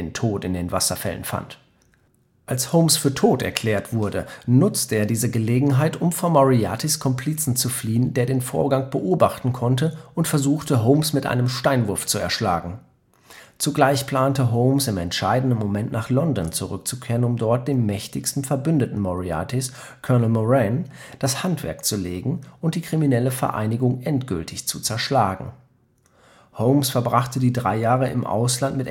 Tod in den Wasserfällen fand. Als Holmes für tot erklärt wurde, nutzte er diese Gelegenheit, um vor Moriartys Komplizen zu fliehen, der den Vorgang beobachten konnte und versuchte, Holmes mit einem Steinwurf zu erschlagen. Zugleich plante Holmes, im entscheidenden Moment nach London zurückzukehren, um dort dem mächtigsten Verbündeten Moriartys, Colonel Moran, das Handwerk zu legen und die kriminelle Vereinigung endgültig zu zerschlagen. Holmes verbrachte die drei Jahre im Ausland